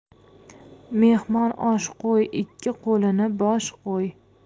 mehmonga osh qo'y ikki qo'lini bo'sh qo'y